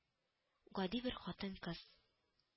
— гади бер хатын-кыз